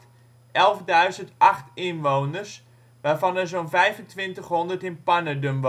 11.008 inwoners waarvan er zo 'n 2500 in Pannerden wonen